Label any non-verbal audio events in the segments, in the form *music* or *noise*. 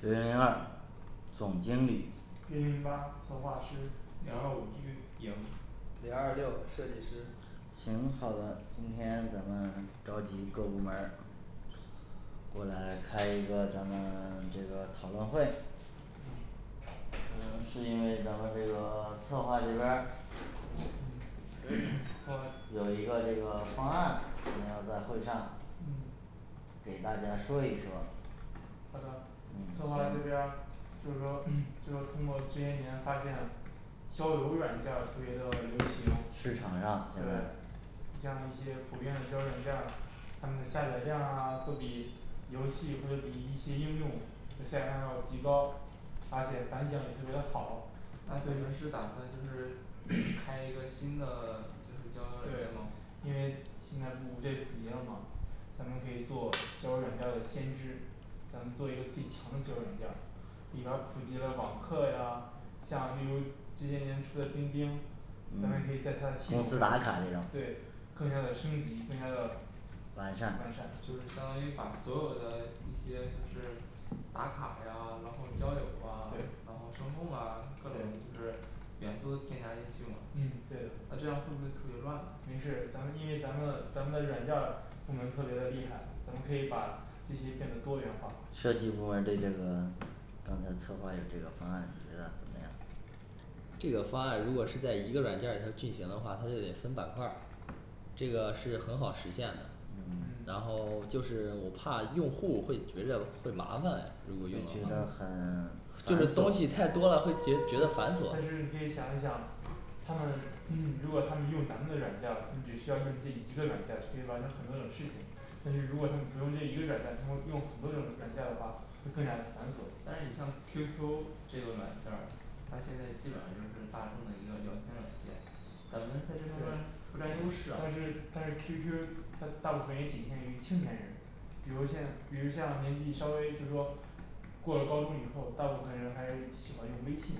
零零二总经理零零八策划师零二五运营零二六设计师行好的今天咱们召集各部门儿过来开一个咱们 *silence* 这个讨论会嗯嗯是因为咱们这个策划这边儿嗯说有一个这个方案要在会上嗯给大家说一说好的策划这边嗯儿就是说 *crosstalk* 就说通过这些年发现交友软件儿特别的流行对市场上像一些普遍的交友软件儿它们的下载量啊都比游戏或者比一些应用的下载量要极高而且反响也特别的好那我们是打算就是 *silence* 开一个新的就是交友软件吗对因为现在不五G普及了嘛咱们可以做交友软件儿的先知咱们做一个最强的交友软件儿，里边儿普及了网课呀像例如这些年出的钉钉咱嗯们可以在它的系统中打卡那种对更加的升级更加的完完善善就是相当于把所有的一些就是打卡呀然后交友对对嗯对啊然后声控啊各种就是元素都添加进去嘛那这样会不会特别乱了没事咱们因为咱们咱们的软件儿部门特别的厉害咱们可以吧这些变得多元化设计部门儿对这个 *silence* 刚才策划的这个方案你觉得怎么样这个方案如果是在一个软件儿里头进行的话它就得分版块儿这个是很好实现的然嗯后就是我怕用户会觉着会麻烦如果用用起起来来很就是东西太多了会觉觉得繁琐但是可以想一想他们 *crosstalk* 如果他们用咱们的软件儿他们只需要用这一个软件儿就可以完成很多种事情但是如果他们不用这一个软件儿他们用很多种软件儿的话会更加的繁琐但是你像Q Q这个软件儿它现在基本上就是大众的一个聊天软件咱们在这方面不占优势啊但是但是Q Q它大部分也仅限于青年人比如像比如像年纪稍微就是说过了高中以后大部分人还是喜欢用微信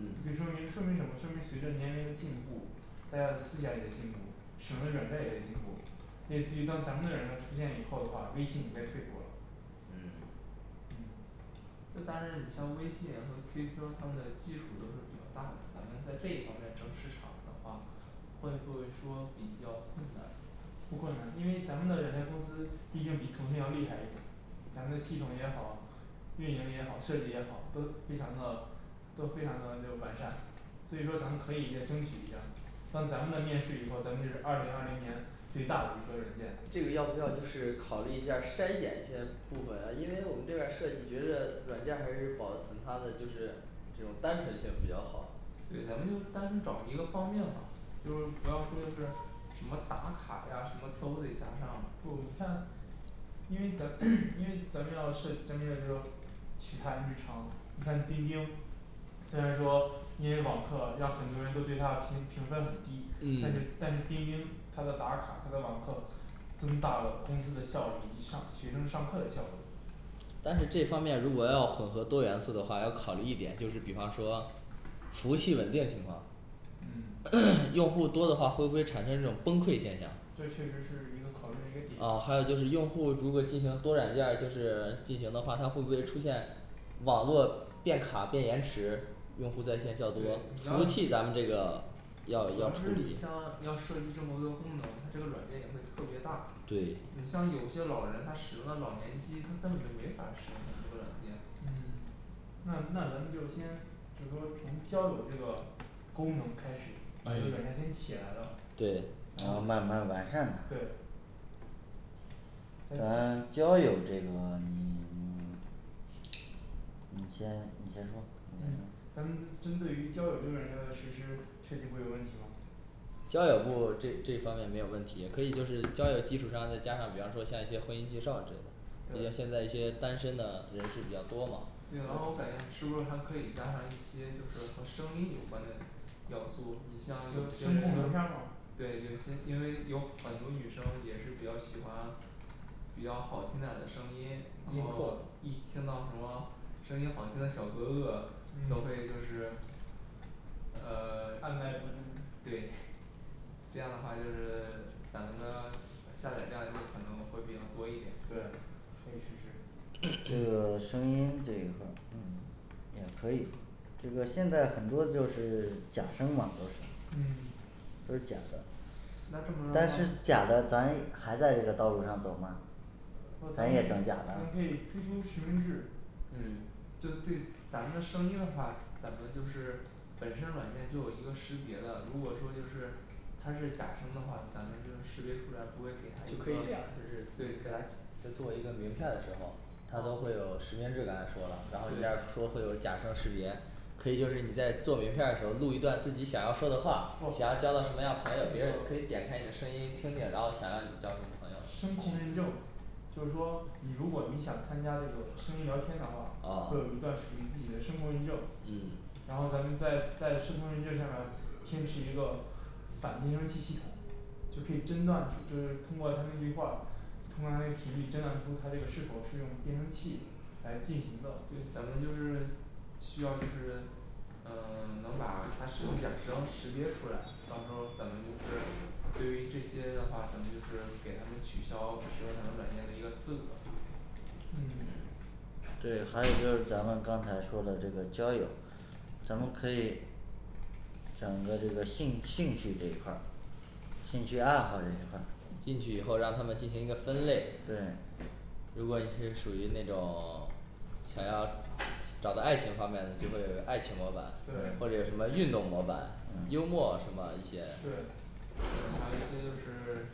就可以说明说明什么说明随着年龄的进步大家的思想也在进步使用的软件儿也在进步类似于当咱们的软件儿出现以后的话微信也该退步了嗯嗯就但是你像微信和Q Q他们的基础都是比较大的咱们在这一方面争市场的话会不会说比较困不难困难因为咱们的软件公司毕竟比腾讯要厉害一点咱们的系统也好运营也好设计也好都非常的都非常的就是完善所以说咱们可以再争取一下当咱们的面市以后咱们就是二零二零年最大的一个软件这个要不要就是考虑一下筛检一些部分因为我们这边儿设计觉得软件儿还是保存它的就是这种单纯性比较好对咱们就是单纯找一个方面吧就是不要说就是什么打卡呀什么都得加上啊不你看因为咱 *crosstalk* 因为咱们要是针对就是说取他人之长你看钉钉虽然说因为网课让很多人都对它的评评分很低但是但嗯是钉钉它的打卡它的网课增大了公司的效率以及上学生上课的效率但是这方面如果要混合多元素的话要考虑一点就是比方说服务器稳定情况嗯这 *crosstalk* 用户多的话会不会产生这种崩溃现象确实是一个考虑的一个啊还有点就是用户如果进行多软件儿就是进行的话它会不会出现网络变卡变延迟用对你要主户在线较多服务器咱们这个要要要是你像要设计这么多功能它这个软件也会特别大对你像有些老人他使用了老年机他根本就没法使用咱们这个软件嗯那那咱们就先就是说从交友这个功能开始把这个软件先起来了对然后慢慢完善对咱交友这个嗯 *silence* 你先你先说嗯咱们针对于交友这个软件儿的实施设计部有问题吗交友部这这方面没有问题可以就是交友基础上再加上比方说像一些婚姻介绍之类的你看对现在一些单身的人是比较多嘛对然啊后我感觉是不是还可以加上一些就是和声音有关的要素你像有有些声控对有些因为有很多女生也是比较喜欢比较好听点儿的的声音音然控后，一听到什么声音好听的小哥哥都嗯会就是呃按耐 *silence* 不住对这样的话就是 *silence* 咱们的下载量可能会比较多一点对可以试试这个声音这一块儿嗯 *silence* 也可以这个现在很多就是 *silence* 假声嘛就是嗯都是假的 *silence* 那这但是么着吧假的咱还在这个道路上走吗咱可咱以也咱整假的啊可以推出实名制就嗯对咱们的声音的话咱们就是本身软件就有一个识别的如果说就是他是假声的话咱们就识别出来不会给他一就可以个这样试对试给他，就做一个名片的时候他都会有实名制刚才说了然后这边儿说对会有假声识别可以就是你在做名片儿的时候录一段自己想要说的话想要交到什么样朋友别人可以点开你的声音听听然后想要你交什么朋友声控认证就是说你如果你想参加这个声音聊天的话会有一啊段属于自己的声控认证嗯然后咱们在在声控认证上边儿听取一个反变声器系统就可以诊断就是通过他那句话通过他的频率诊断出它这个是否是用变声器来进行的对咱们就是需要就是嗯 *silence* 能把它使用假声识别出来到时候咱们就是对于这些的话咱们就是给他们取消使用咱们软件的一个资格嗯嗯对还有就是咱们刚才说的这个交友咱们可以选择这个兴兴趣这一块儿兴趣爱好这一块儿对进去以后让他们进行一个分类对如果你是属于那种 *silence* 想要找到爱情方面的就会有爱情模板或者有对什么运动模板幽默什么一些对对还有一些就是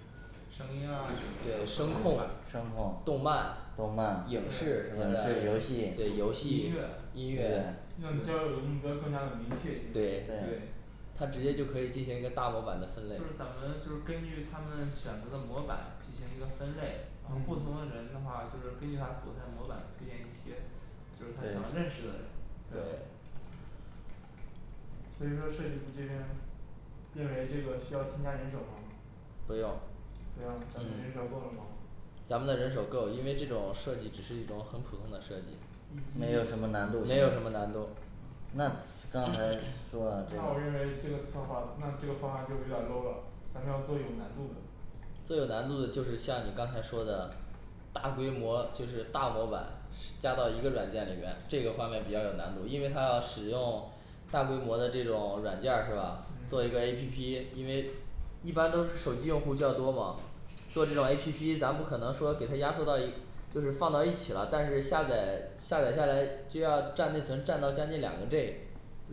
声音啊对什声么控的声控动漫动漫对影影视视什么的对游游戏戏音音音乐乐乐让你交友的目标更加的明确对对他直接就可以进行一个大模板就是的分类咱们就是根据他们选择的模板进行一个分类然后不同嗯的人的话就是根据他所在的模板推荐一些就是他想要认识的人对对所以说设计部这边认为这个需要添加人手吗不不用用咱们的人手嗯够了吗咱们的人手够因为这种设计只是一种很普通的设计你有什么难以及度没有什么难度那刚那才说我认为这个策划那这个方案就有点儿low了咱们要做有难度的做有难度的就是像你刚才说的大规模就是大模板加到一个软件里面这个方面比较有难度因为它要使用大规模的这种软件儿是吧做一个A 嗯 P P因为一般都是手机用户较多嘛做这种A P P咱不可能说给它压缩到一就是放到一起了但是下载下载下来就要占内存占到将近两个G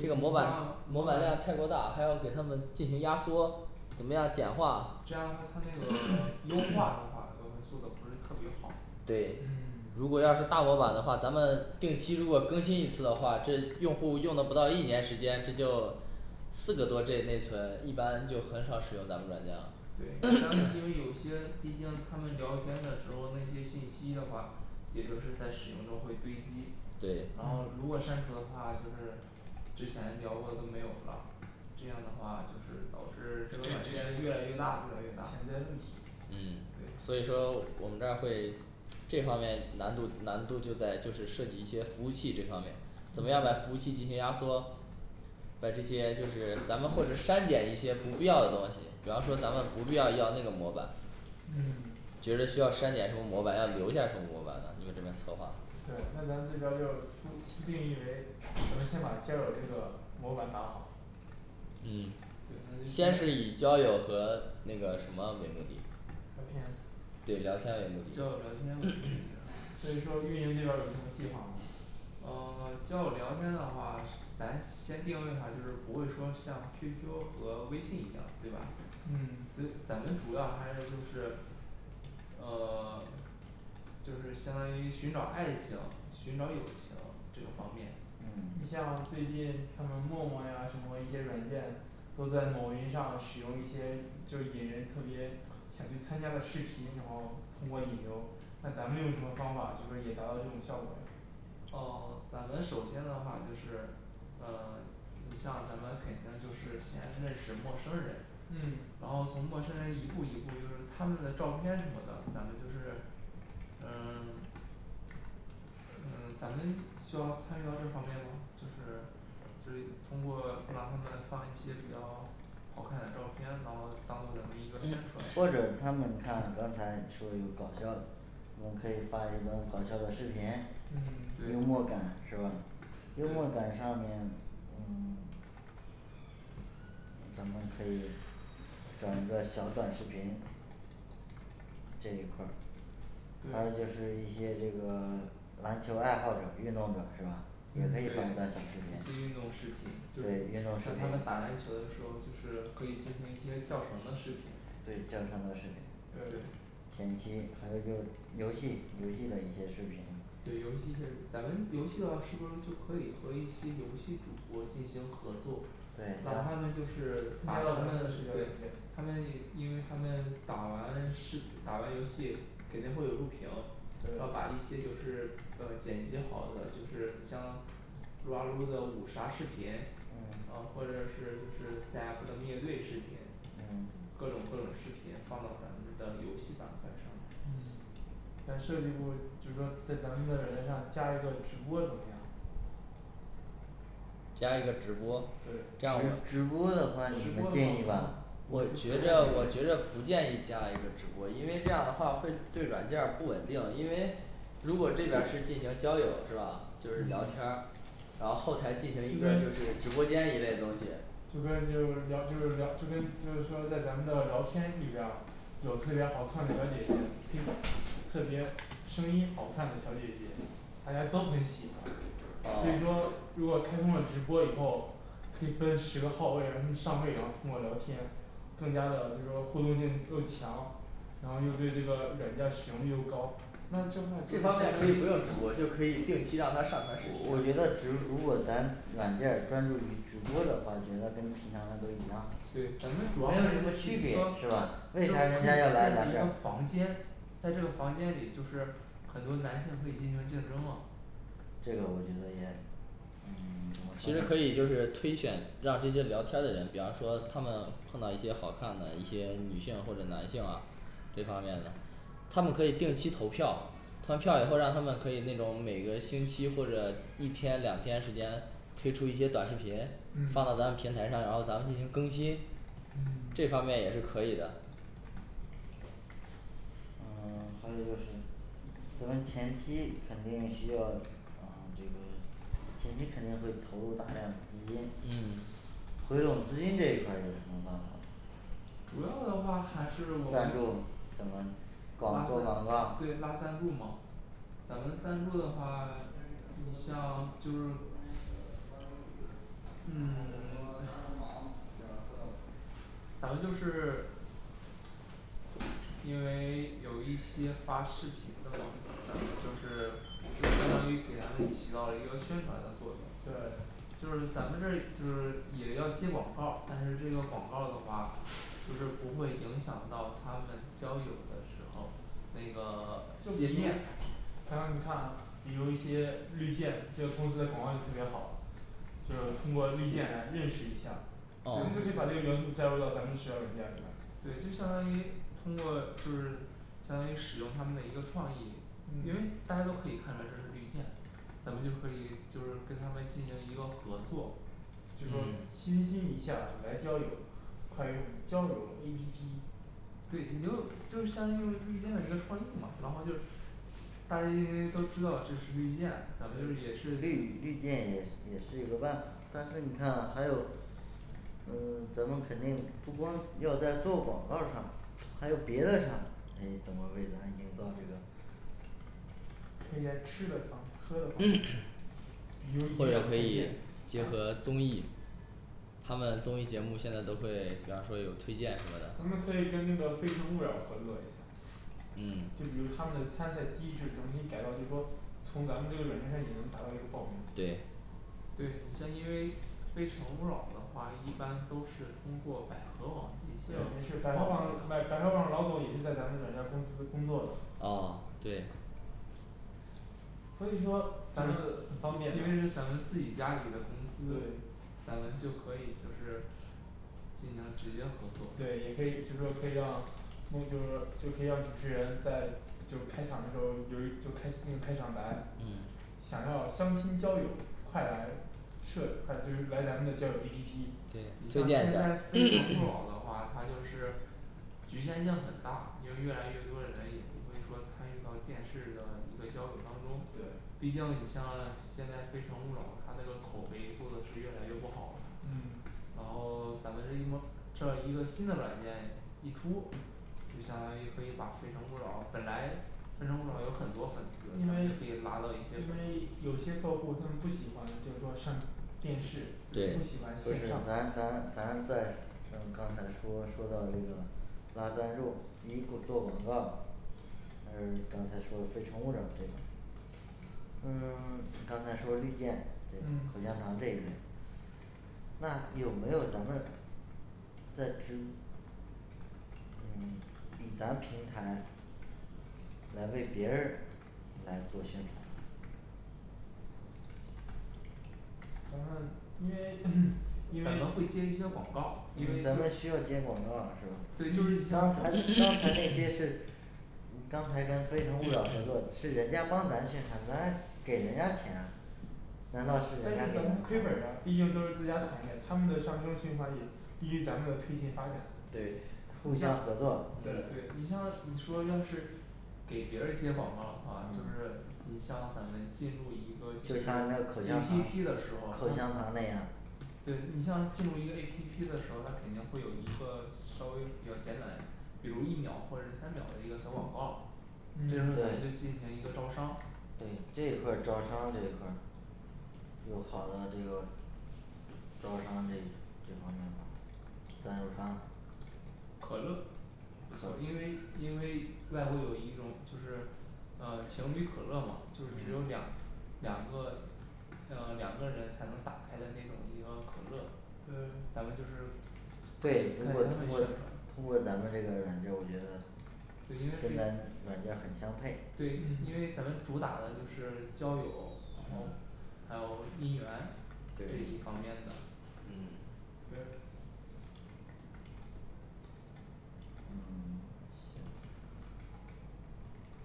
这个模板，模板量太过大还要给它们进行压缩怎么样简化 *hesitation* 这样的话它那个优化的话会做的不是特别好对嗯如果要是大模板的话咱们定期如果更新一次话的这用户用了不到一年时间这就四个多G内存一般就很少使用咱们软件了对像一些是因为有些 *hesitation* 毕竟他们聊天的时候那些信息的话也就是在使用中会堆积然后对如果删除的话就是之前聊过的都没有了这样的话就是导致这个软件越来越大越来越大存在问题嗯对所以说我们这儿会这方面难度难度就在就是设计一些服务器这方面怎么样把服务嗯器进行压缩把这些就是咱们或者删减一些不必要的东西比方说咱们不必要要那个模板嗯觉着需要删减什么模板要留下什么模板呢你们这边策划对那咱这边儿就初初定义为咱们先把交友这个模板打好嗯先是以交友和那个什么为目的聊天对聊天为目交友聊天的为目的的所以说运营这边儿有什么计划吗嗯 *silence* 交友聊天的话咱先定位一下就是不会说像Q Q和微信一样对吧嗯所以咱们主要还是就是嗯 *silence* 就是相当于寻找爱情寻找友情这个方面你嗯像最近什么陌陌呀什么一些软件都在某音上使用一些就是引人特别想去参加的视频然后通过引流那咱们用什么方法就是也达到这种效果呀噢咱们首先的话就是呃 *silence* 你像咱们肯定就是先认识陌生人嗯然后从 *silence* 陌生人一步一步就是他们的照片什么的咱们就是嗯 *silence* 嗯咱们需要参与到这方面吗就是就是通过哪方面放一些比较好看点儿照片然后当做咱们一个宣或者传他们看刚才说的搞笑的我们可以发一张搞笑的视频幽默对嗯感是吧幽默感上面嗯 *silence* 咱们是找一个小短视频这一块儿还有就是一对些这个 *silence* 篮球爱好者运动的是吧对那些运动视频，就是对运动视像频他们打篮球的时候就是可以进行一些较长的视频对较长的视频对对前期还有一个游戏游戏的一些视频对游戏是咱们游戏的话是不是就可以和一些游戏主播进行合作那他们对就是看到咱们的视频对软件他们因为他们打完视打完游戏肯定会有录屏要把一些就是呃剪辑好的就是你像撸啊撸的五杀视频嗯或者是就是C F的灭队视频各嗯种各种视频放到咱们的游戏板块上来嗯咱设计部就是说在咱们的软件儿上加一个直播怎么样加一个直播这样，对直播的话是我不建议吧觉得我觉得不建议加一个直播因为这样的话会对软件儿不稳定因为如果这边儿是进行交友是吧就是聊天嗯儿然后后台进就跟就跟就聊就是聊就跟行一个就是直播间一类的东西就是说在咱们的聊天里边儿有特别好看的小姐姐可以特别声音好看的小姐姐大家都很喜欢所以啊说如果开通了直播以后可以分十个号位让他们上位然后通过聊天更加的就是说互动性又强然后又对这个软件儿使用率又高那这块就这方面可是以先，就可以定期让他上传视我觉频得直如果咱软件儿专注于直播的话觉得跟平常的都一样对咱们主要是，一个可以区别变是吧，为啥人家要来成咱一这个儿房间在这个房间里就是很多男性可以进行竞争了这个我觉得也嗯怎么说其实可以就是呢推选让这些聊天儿的人比方说他们碰到一些好看的一些女性或者男性啊这方面的他们可以定期投票投完票以后让他们可以那种每个星期或者一天两天时间推出一些短视频放到咱们平台嗯上然后咱们进行更新这方嗯面也是可以的嗯 *silence* 还有就是，可能前期肯定需要嗯这个前期肯定会投入大量的资金嗯回笼资金这一块儿有什么办法主要的话还是我们对赞助怎么广做广告拉赞助嘛咱们赞助的话 *silence* 你像就是嗯 *silence* 咱们就是因为有一些发视频的嘛咱们就是就相当于给咱们起到一个宣传的作用对就是咱们这就是也要接广告儿但是这个广告儿的话就是不会影响到他们交友的时候那个 *silence* 页面然后你看啊比如一些绿箭这个公司的广告就特别好，就通过绿箭来认识一下儿把这哦个元素加入到咱们实验软件里边对儿就相当于通过就是相当于使用他们的一个创意因为嗯大家都可以看到这是绿箭咱们就可以就是跟他们进行一个合作就说清新一下来交友快用交友A P P 对你就就是相当于用了这绿箭的一个创意嘛然后就大家应该都知道这是绿箭咱们就也是绿绿箭也也是一个办法但是你看啊还有嗯咱们肯定不光要在做广告上还有别的上唉怎么为咱营造这个天天吃的啥喝的啥结合综艺他们综艺节目现在都会比方说有推荐什么咱们的可以跟那个非诚勿扰合作一下就嗯比如他们的参赛机制咱们可以改造就是说从咱们这个软件上也能达到一个报名对对你像因为非诚勿扰的话一般都是通过百合网进这行个没事百合网买百合网的老总也是在咱们软件儿公司工作的啊对所以说咱们很因方便对为是咱们自己家里的公司咱们就可以就是进行直接合作对也可以就是说可以让那就是就可以让主持人在就开场的时候就就开嗯开场白嗯想要相亲交友快来是还有就是来咱们的交友A P P 对你推现荐一在非诚勿下 *hesitation* 扰的话他就是局限性很大因为越来越多的人也不会说参与到电视的一个交友当中对毕竟你像现在非诚勿扰它这个口碑做的是越来越不好了嗯然后咱们这，这一个新的软件一出这相当于可以把非诚勿扰本来非诚勿扰有很多粉丝因也为可以拉到一些因粉为有些客户丝他们不喜欢就是说上电视不喜对欢咱线上咱咱在刚才说说到那个拉赞助第一步做广告那刚才说的非诚勿扰这个嗯刚才说绿箭口香嗯糖这里那有没有咱们在只嗯以咱们平台来为别人来做宣传咱们因为 *crosstalk* 因为因为咱们会接一些广告咱们需要接广告是吗对就是你刚像才刚才那些是你刚才跟非诚勿扰合作是人家帮咱宣传咱给人家钱难道是但是咱不亏本儿啊毕竟都是自家产业他们的上升循环率低于咱们的推进发展对互相合作对对你像你说要是给别人接广告的话就是你像咱们进入一个就就是像那口 A 香 P 糖 P的时候口香糖那样对你像进入一个A P P的时候它肯定会有一个稍微比较简短比如一秒或者三秒的一个小广告儿这个时候咱嗯们就进行一个招商对这一块儿招商这一块儿有好的这个招商这一这方面的在咱可乐因为因为外国有一种就是嗯情侣可乐嘛就是只有两两个要两个人才能打开的那种一个可乐咱对们就是可以给他通过们通宣过传通过咱们这个软件儿我觉得跟咱们对因为是这个软件很相配对因为咱们主打的就是交友然后还有姻缘这一方对面的嗯对嗯行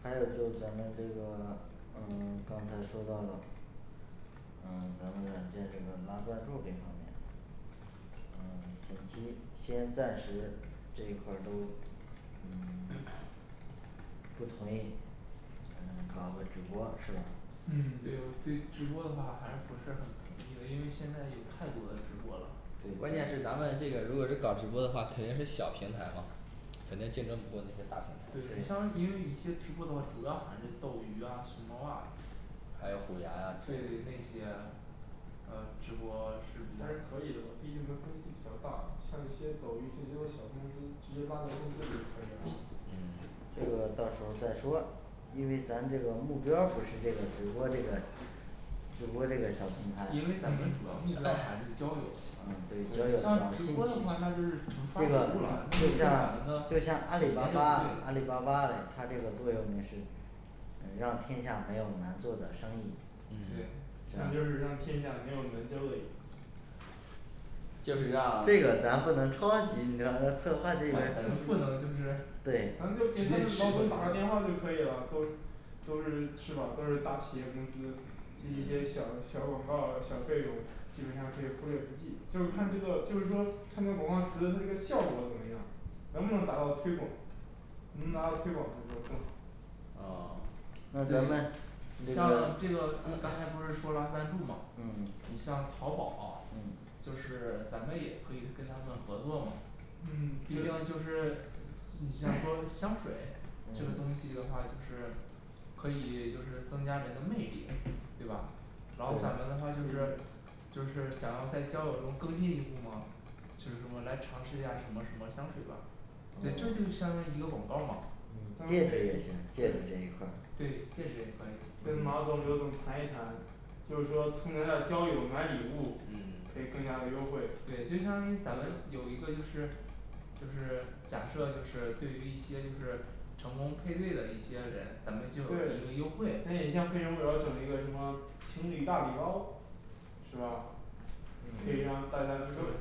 还有就是咱们这个 *silence* 嗯 *silence* 刚才说到的嗯咱们软件这个拉赞助这一方面嗯 *silence* 前期先暂时这一块儿都嗯 *silence* 不同意嗯搞个直播是吧对我嗯对直播的话还是不是很同意的因为现在有太多的直播了关键是咱们这个如果是搞直播的话肯定是小平台嘛肯定竞争不过那些大平对你台像因为一些直播的话主要还是斗鱼啊熊猫啊还有虎牙啊之对类对那些呃直播视频还是是可比较以的毕竟咱们公司比较大像一些抖音就只有小公司直接拉到赞助就可以了嗯这个到时候再说因为咱这个目标儿不是这个直播利润直播这个小平台因为咱们主要嗯目标还是交友嗯对就像像直播的话那就是成双的那就跟咱们的阿里理念就不巴巴阿里对了巴巴它这个作用是嗯让天下没有难做的生意对嗯像就是让天下没有难交的友就是让这个咱不能抄袭咱们咱的策划咱们不能就是咱就对给他们直老总打个接电话就可以了都是是吧都是大企业公司接一些小广告儿小费用基本上可以忽略不计就是看这个就是说他们广告词这个效果怎么样能不能达到推广能拿到推广这个更好啊那咱们你这像这个个刚才不是说拉赞助嘛嗯你像淘宝就嗯是咱们也可以跟他们合作嘛毕竟嗯就是你像说香水这个东西的话就是可以就是增加人的魅力对吧然后咱们的话就是就是想要在交友中更进一步吗就是什么来尝试一下什么什么香水吧对这就是相当于一个广告儿嘛戒指也行戒指可以一块对戒儿指也可以跟马总牛总谈一谈就是说出门要交友买礼物可嗯以更加的优惠对就相当于咱们有一个就是就是假设就是对于一些就是成功配对的一些人咱们对所就有一个优惠以你像非诚勿扰整一个什么情侣大礼包是吧可以让大嗯家这个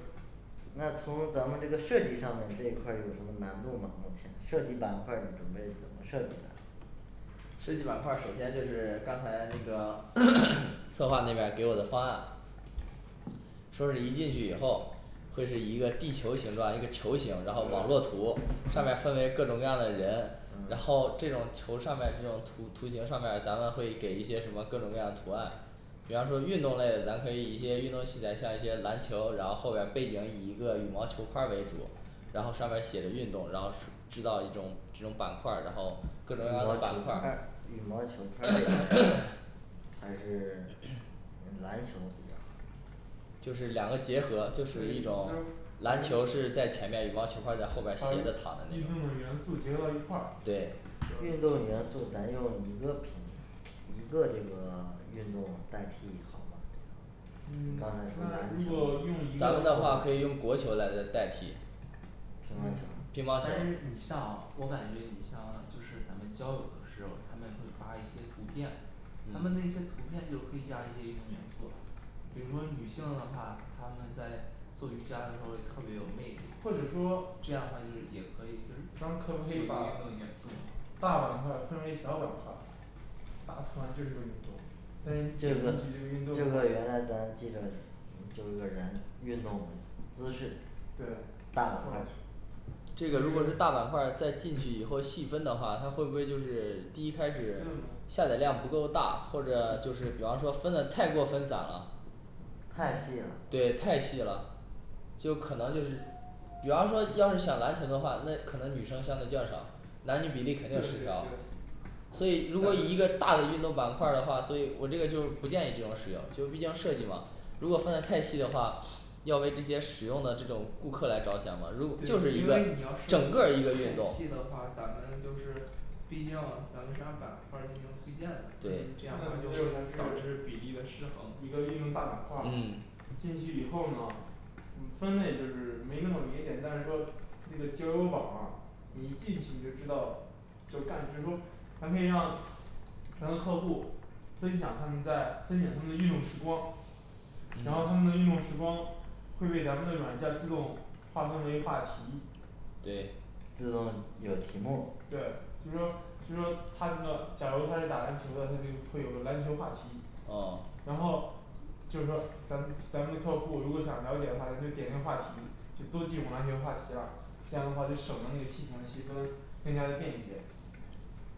那从咱们这个设计上面这一块儿有什么难度吗目前设计版块儿准备怎么设计的设计版块儿首先就是刚才那个 *hesitation* 策划那边儿给我的方案说是一进去以后会是一个地球形状一个球形然后网络对图上面分为各种各样的人然后这嗯种球上面这种图图形上面儿咱们会给一些什么各种各样的图案比方说运动类的咱可以一些运动器材像一些篮球然后后面背景以一个羽毛球拍儿为主然后上面儿写着运动然后知道一种这种版块儿然后各种各样的版块儿 *hesitation* 羽毛球拍儿还是 *silence* 篮球比较好就是两个结合就属于一种篮球是在前面羽毛球拍儿在把后边儿斜着躺着那运种动的元素结合到一块儿对运动元素咱用一个品质一个这个 *silence* 运动的代替好吗嗯 *silence* 刚那如才果说用一咱咱个们的话话可以用国球来代替乒乓球乒嗯乓球但是你像啊我感觉你像就是咱们交友的时候他们会发一些图片他们那些图嗯片就可以加一些运动元素啊比如说女性的话他们在做瑜伽的时候特别有魅力或者说这样的话就也可以就是也咱们可不可是以运把动元素嘛大版块儿分为小版块儿大图案就一个运动但是你这点进去个这个运动这个原来咱记着就是个人运动的姿势大版对块儿这个如果是大版块儿在进去以后细分的话它会不会就是第一开始下载量不够大或者就是比方说分的太过分散了太细了对太细了就可能就是比方说要是想篮球的话那可能女生相对较少男女比例肯定对失调对对所以如果一个大的运动版块儿的话所以我这个就不建议这种使用就是毕竟设计嘛如果分的太细的话 *crosstalk* 要为这些使用的这种顾客来着想吗如就是对一因个为你要整个儿一个运太动细的话咱们就是毕竟咱们是按版块儿进行推荐的，这样的对话就会导致比例的失衡一个运动大版块儿嗯进去以后呢分类就是没那么明显但是说这个交友网啊你一进去你就知道了这干这么咱可以让咱的客户分享他们在分享他们运动时光然后他们的运动时光会被咱们的软件儿自动划分为话题对有题目对就是说就是说他这个假如他是打篮球的他就会有个篮球话题噢然后就是说咱咱们的客户如果想了解的话你就点进话题就都进入安全话题啦这样的话就省了那个系统的细分更加的便捷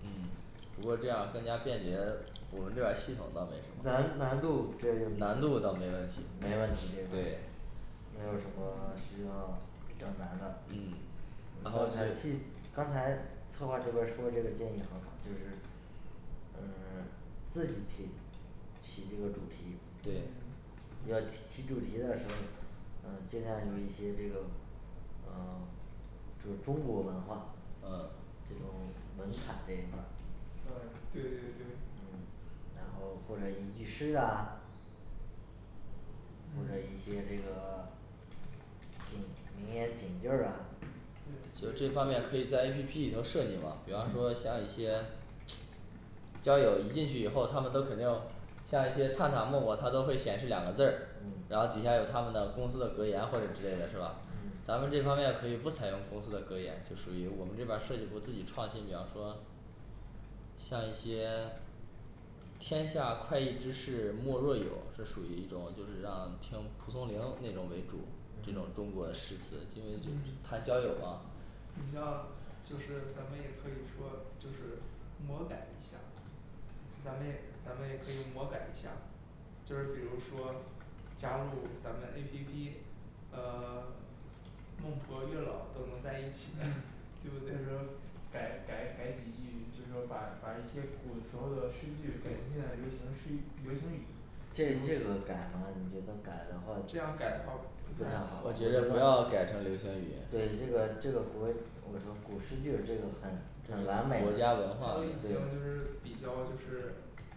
嗯如果这样增加便捷我们这边儿系统倒没什么难难难度这没问度到没问题题是对吧还有什么吗是要比较难的&嗯&然后就刚才策划这边儿说的这个建议很好就是嗯 *silence* 自己提起这个主题对嗯要起 *unintelligible* 起主题的时候嗯接下来有一些这个嗯 *silence* 这中国文化嗯这种文采这一块儿对对对对嗯然后或者一句诗啊或者一嗯些这个 *silence* 警名言警句儿啊对就这方面可以在A P P里头设计嘛比方说像一些交友一进去以后他们都肯定要像一些探探陌陌它都会显示两个字儿，然嗯后底下有他们的公司的格言或者之类的是吧嗯咱们这方面可以不采用公司的格言就属于我们这边儿设计部自己创新比方说像一些 *silence* 天下快意之事莫若友是属于一种就是让听蒲松龄那种为主这种中国的诗词今天就是嗯谈交友吗你像就是咱们也可以说就是魔改一下咱们也咱们也可以魔改一下就是比如说加入咱们的A P P 呃 *silence* 孟婆月老都能在一起嗯 *noise* 对不或对者改改改几句就是说把把一些古时候的诗句改成现在流行诗流行语这这个改吗你觉得改的话这样改的话不太我觉得不好要改成流行语对这个这个不会我说古诗就有这个很很完美国家还有文化一条就是比较就是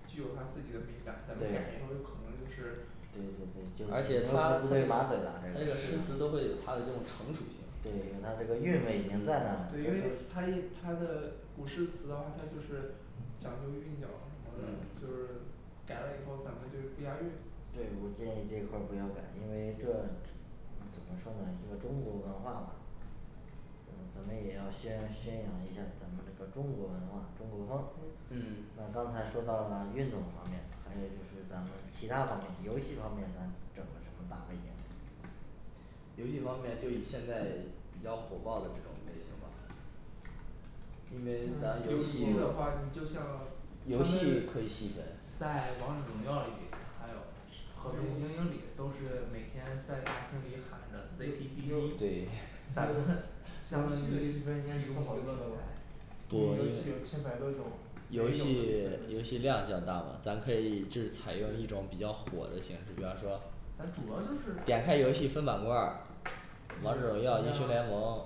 具有它自己的美感咱们改了以后对就可能就是而且它它这个诗词都会有它的这种成熟性对有它这个韵味已经在那儿对因为了它一它的古诗词啊它就是讲究韵脚儿什么的就嗯是改了以后咱们就不押韵对我建议这一块儿不要改因为个这怎么说呢就是中国文化嘛嗯咱们也要宣宣扬一下咱们那个中国文化中国梦那刚嗯才说到了运动方面还有就是咱们其他方面游戏方面那整个什么大背景游戏方面就以现在比较火爆的这种类型吧因为那游戏的话你就像咱们游戏可以细分在王者荣耀里还有和平精英里都是每天在大厅里喊的C P D D 对咱们 *noise* 相当于提供好平台因为游戏有千百多种游戏游戏量较大了咱可以一致采用一种比对较火的形式比方说咱主要就是点开游戏分版块儿王者荣耀英雄联盟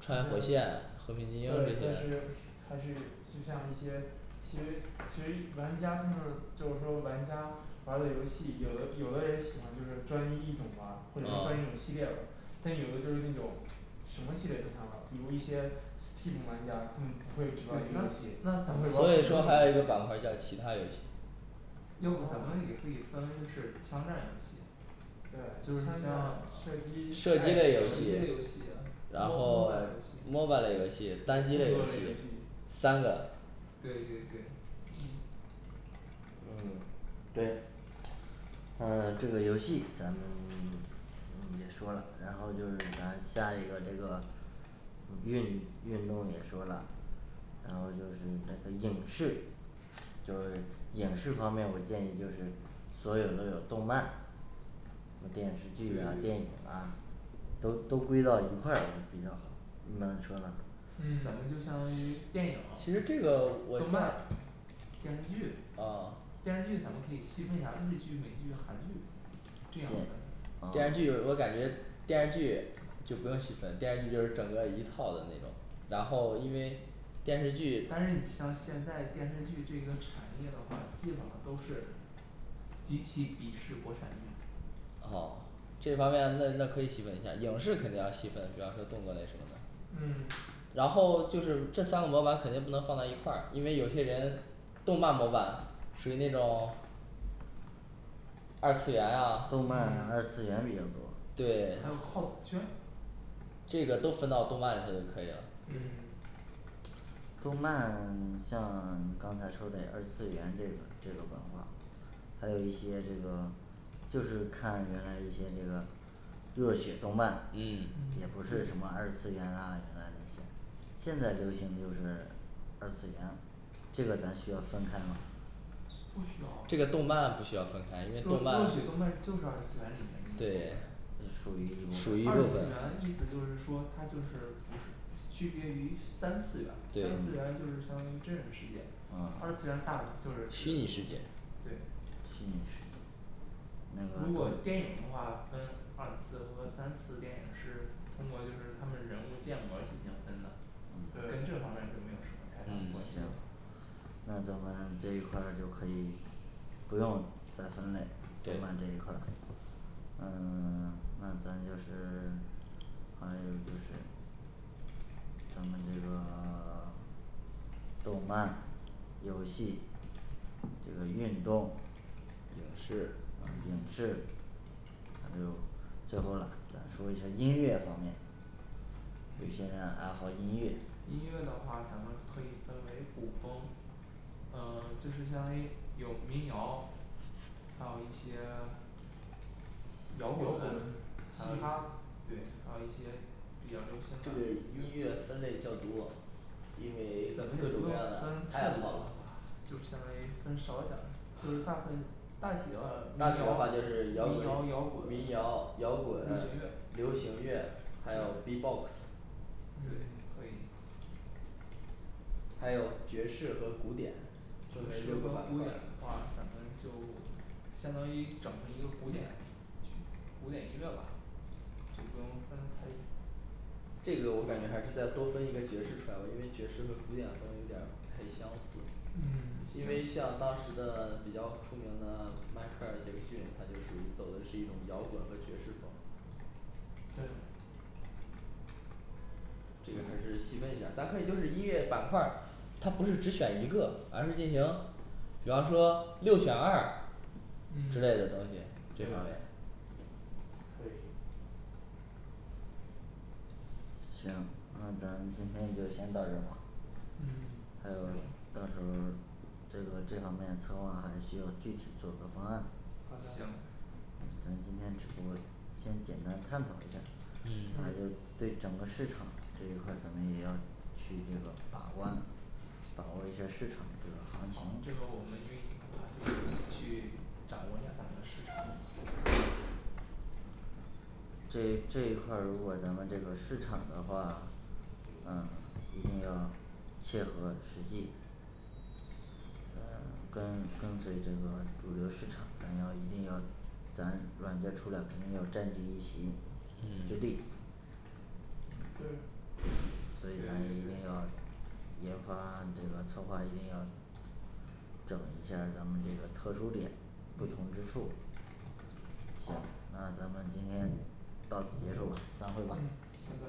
穿越火线和平精英对但是还是有就像一些其实其实玩家他们就是说玩家玩儿的游戏有的有的人喜欢就是专一一种嘛或者是专有啊系列的但有的就是那种什么系列都想玩儿比如一些 team玩家他们不对会只玩儿一个那游那咱们所以说还有一个版块儿叫戏其他游戏要不咱们也可以分为就是枪战游戏对就枪是像战射射击击射射击击类类游游戏戏然后 MOBA MOBA 类类游游戏戏，动单作机类类游游戏戏三个对对对嗯嗯对嗯 *silence* 这个游戏咱们 *silence* 咱们也说了然后就是咱加一个这个运运动也说了然后就是那个影视就是影视方面我建议就是所有都有动漫电视剧啊对电对影啊都都归到一块儿去比较好那你说吧嗯咱们就相当于电影其实这个我动漫电视剧啊电视剧咱们可以细分一下日剧美剧韩剧这样分分电视啊剧我感觉电视剧就不用细分电视剧就是整个一套的那种然后因为电视剧但是你像现在电视剧这个产业的话基本上都是极其鄙视国产剧哦这方面那那可以细分一下影视肯定要细分比方说动作类什么的嗯然后就是这三个模板肯定不能放在一块儿因为有些人，动漫模板属于那种 *silence* 二次元啊动漫嗯二次元比较多还有对 cos圈这个都分到动漫里头就可以了嗯动漫 *silence* 像 *silence* 刚才说的二次元这种这种文化还有一些这个就是看原来一些这个热血动漫嗯也对不是什么二次元啊那那些现在就流行就是 *silence* 二次元这个咱需要分开吗不需要这热热个血动动漫漫不就需是要二次分开元因里面的为一部动分漫对属于二属次元一于种意思就是说它就是不是区别于三次元三次对元就是相当于真人世界二啊次元大部分就是虚拟世界虚对拟世界如果电影的话分二次和三次电影是通过就是他们人物建模进行分的跟对这方面就没有什么太大的嗯关系行了那咱们这一块儿就可以不用再分类动漫这一块儿对嗯 *silence* 那咱就是 *silence* 还有就是咱们这个 *silence* 动漫游戏这个运动影视影嗯视还有最后了咱说一下音乐方面有些人啊爱好音乐音乐的话咱们可以分为古风嗯 *silence* 就是相当于有民谣还有一些 *silence* 摇摇滚滚嘻还有哈对还有一些比较流行这个音的乐分类较多因为咱们这各个种各不要样的分太太多多了吧了就是相当于分少点儿就是大部分大体的大体的话话就是民谣民民谣谣摇摇滚滚流行乐流行乐还有B box 对嗯可以还有爵士和古典爵士和古典的话咱们就相当于整了一个古典古典音乐吧这不能分的太这个我感觉还是再多分一个爵士出来吧因为爵士跟古典好像有点儿不太相符因嗯为像当时的 *silence* 比较出名的 *silence* 迈克尔杰克逊他就属于走的是一种摇滚和爵士风对这个还是细分一下咱可以就是音乐版块儿他不是只选一个而是进行比方说六选二之类嗯的东西这方面可以行那咱们今天就先到这儿吧还嗯有行到时候这个这方面策划还是需要具体做做方案的好行的咱今天只不过先简单探讨一下还嗯有嗯对整个市场这一块儿咱们也要去这个把关掌握一些市场这个好行情这个我们就去掌握下咱们的市场这这一块儿如果咱们这个市场的话嗯一定要切合实际跟跟随这个主流市场咱要一定要咱软件儿出来肯定要占具一席之嗯地对所以对咱们一定对要对研发 *silence* 这个策划一定要整一下儿咱们这个特殊点不同之嗯处那好咱们今天到此结束散会吧嗯行的